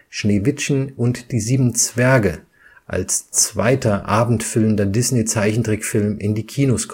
Schneewittchen und die sieben Zwerge (1937) als zweiter abendfüllender Disney-Zeichentrickfilm in die Kinos